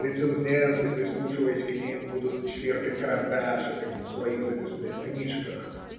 Рецензенты, прислушиваясь к ним, будут чиркать карандашиками в своих записных книжках.